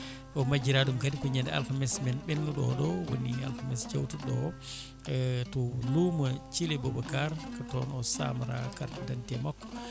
o majjiraɗum kadi ko ñande alkamisa men ɓennuɗo o woni alkamisa jawtuɗo ɗo o to luumo Thile Boubacara ko toon o samra carte d' identité makko